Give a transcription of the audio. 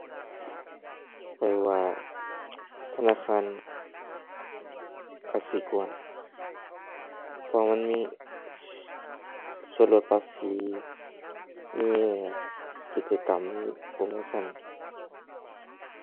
ข้อยว่า ธนาคารกสิกร เพราะมันมีส่วนลดภาษี มีกิจกรรม มีโปรโมชัน